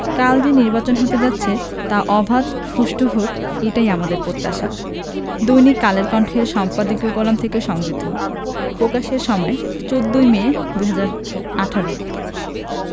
কাল যে নির্বাচন হতে যাচ্ছে তা অবাধ সুষ্ঠু হোক এটাই আমাদের প্রত্যাশা দৈনিক কালের কণ্ঠ এর সম্পাদকীয় কলাম হতে সংগৃহীত প্রকাশের সময় ১৪ মে ২০১৮